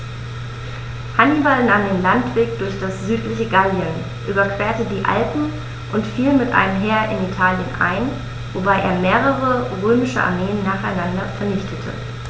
Hannibal nahm den Landweg durch das südliche Gallien, überquerte die Alpen und fiel mit einem Heer in Italien ein, wobei er mehrere römische Armeen nacheinander vernichtete.